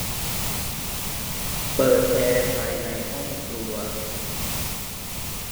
เปิดแอร์ภายในห้องครัว